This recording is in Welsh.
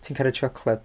Ti'n caru tsiocled?